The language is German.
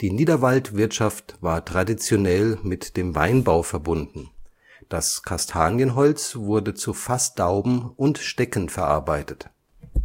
Die Niederwaldwirtschaft war traditionell mit dem Weinbau verbunden, das Kastanienholz wurde zu Fassdauben und Stecken verarbeitet. Die